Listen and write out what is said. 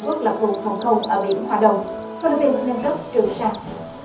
quốc lập vùng phòng không ở biển hoa đông phi líp pin s nâng cấp trường sa